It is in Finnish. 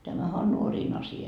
tämähän on nuorien asia